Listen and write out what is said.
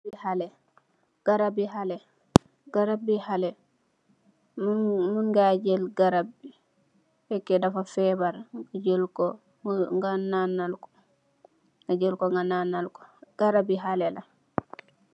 Garabi xalèh, muñ nga jél garab, mun nga jél garab bi fekkeh dafa fèbarr nga jél ko nadalko